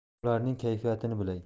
ularning kayfiyatini bilay